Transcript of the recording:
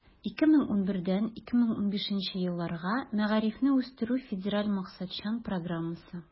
2011 - 2015 елларга мәгарифне үстерү федераль максатчан программасы.